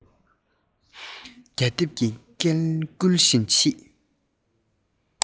སྐྱ འདེབས ཀྱིས སྐུལ བཞིན མཆིས